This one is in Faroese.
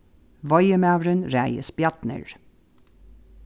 veiðimaðurin ræðist bjarnir